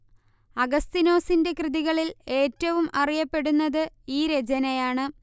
അഗസ്തീനോസിന്റെ കൃതികളിൽ ഏറ്റവും അറിയപ്പെടുന്നത് ഈ രചനയാണ്